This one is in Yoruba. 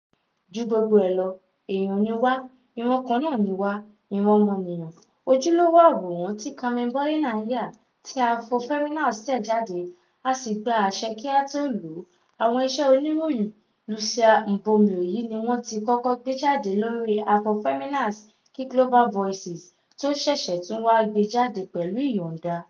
Ju gbogbo ẹ lọ, èèyàn ni wá, ìran kan náà ni wá, ìran ọmọniyàn. "Ojúlówó àwòrán tí Carmen Bolena yà, tí Afrofeminas tẹ jáde, a sì gbà àṣẹ kí a tó ló ó. Àwọn iṣẹ́ Oníròyìn Lucia Mbomío yìí ni wọ́n tí kọ́kọ́ gbé jáde lórí Afrofeminas kí Global Voices tó ṣẹ̀ṣẹ̀ tún wà gbe jáde pẹ̀lú ìyọ̀nda.